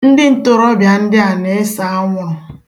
Ndị ntorobịa ndị a na-ese anwụrụ.